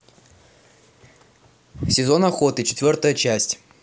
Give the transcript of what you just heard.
сезон охоты четвертая часть